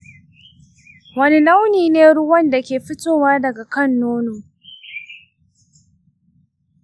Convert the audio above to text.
wane launi ne ruwan da ke fitowa daga kan nono?